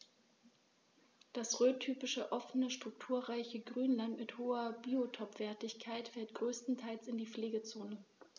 Das rhöntypische offene, strukturreiche Grünland mit hoher Biotopwertigkeit fällt größtenteils in die Pflegezone.